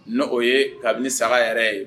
N'o o ye kabini saga yɛrɛ ye